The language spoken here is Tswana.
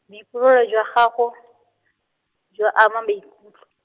boipobolo jwa gagwe , jwa ama maikutlo.